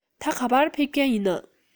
ད ག པར ཕེབས མཁན ཡིན ན